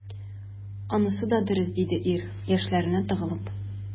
Анысы да дөрес,— диде ир, яшьләренә тыгылып.